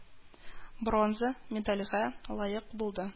Бронза медальгә лаек булды